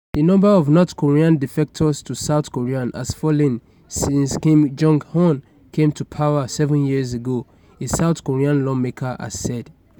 The number of North Korean defectors to South Korea has fallen since Kim Jong-un came to power seven years ago, a South Korean lawmaker has said.